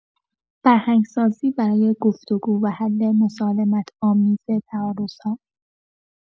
فرهنگ‌سازی برای گفت‌وگو و حل مسالمت‌آمیز تعارض‌ها